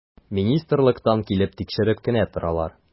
Министрлыктан килеп тикшереп кенә торалар.